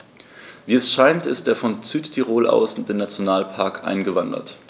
Wie es scheint, ist er von Südtirol aus in den Nationalpark eingewandert.